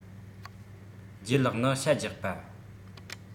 ལྗད ལགས ནི ཤ རྒྱགས པ